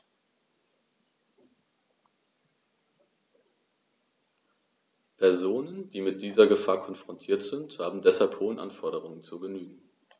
Personen, die mit dieser Gefahr konfrontiert sind, haben deshalb hohen Anforderungen zu genügen.